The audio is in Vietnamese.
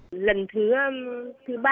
lần thứ thứ ba